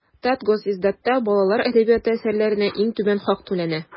Татгосиздатта балалар әдәбияты әсәрләренә иң түбән хак түләнә.